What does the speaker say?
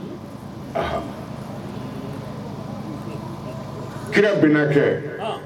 Aha kira binaakɛ ann